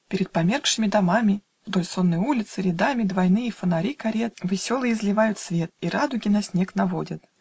Перед померкшими домами Вдоль сонной улицы рядами Двойные фонари карет Веселый изливают свет И радуги на снег наводят